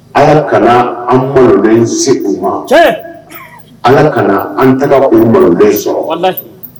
Ala kana an mɔ se u ma ala kana an taga o malo sɔrɔ